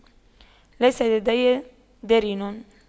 ليس لدي درن